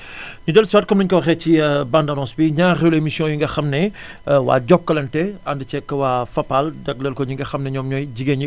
ñu déllusiwaat comme niñ ko waxee ci bande annonce bi ñaareelu émission yi nga xam ne waa Jokalante ànd ceeg waa Fapal jagleel ko ñi nga xam ne ñoom ñooy jigéen ñi